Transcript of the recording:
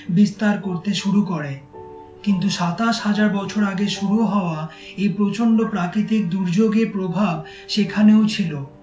বিস্তার করতে শুরু করে কিন্তু ২৭ হাজার বছর আগে শুরু হওয়া এ প্রচন্ড প্রাকৃতিক দুর্যোগের প্রভাব সেখানেও ছিল